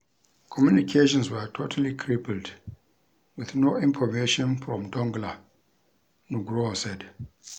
Communications "were totally crippled with no information" from Donggala, Nugroho said.